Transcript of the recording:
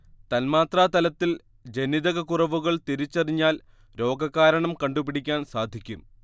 തന്മാത്രാതലത്തിൽ ജനിതക കുറവുകൾ തിരിച്ചറിഞ്ഞാൽ രോഗകാരണം കണ്ടുപിടിക്കാൻ സാധിക്കും